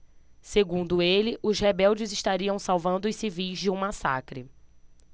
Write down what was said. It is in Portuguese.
segundo ele os rebeldes estariam salvando os civis de um massacre